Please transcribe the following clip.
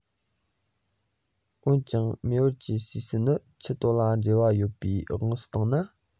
འོན ཀྱང མེ ཨོར གྱི སུག པ ནི མཆུ ཏོ ལ འབྲེལ བ ཡོད པའི དབང དུ བཏང ན